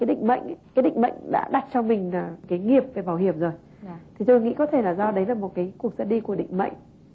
định mệnh cái định mệnh đã đặt cho mình cái nghiệp về bảo hiểm rồi thì tôi nghĩ có thể là do đấy là một cái cuộc ra đi của định mệnh